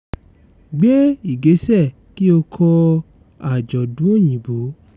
Gbé ìgbésẹ̀ kí o kọ àjọ̀dún Òyìnbó.